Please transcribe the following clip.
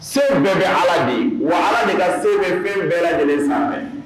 Se bɛɛ bɛ allah wa allah de ka se bɛ fɛn bɛɛ lajɛlen sanfɛ.